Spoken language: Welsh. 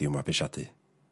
...i'w mabwysiadu.